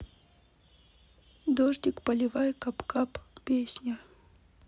дождик поливай кап кап песня